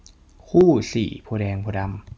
คู่สี่โพธิ์แดงโพธิ์ดำ